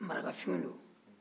marakafinw don